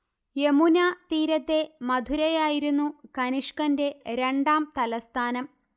യമുനാ തീരത്തെ മഥുരയായിരുന്നു കനിഷ്കന്റെ രണ്ടാം തലസ്ഥാനം